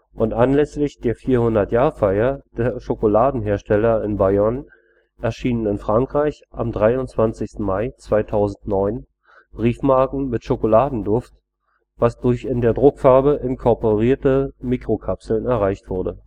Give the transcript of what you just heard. und anlässlich der 400-Jahre-Feier der Schokoladenhersteller in Bayonne erschienen in Frankreich am 23. Mai 2009 Briefmarken mit Schokoladenduft, was durch in der Druckerfarbe inkorporierte Mikrokapseln erreicht wurde